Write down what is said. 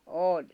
oli